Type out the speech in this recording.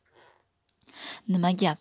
nima gap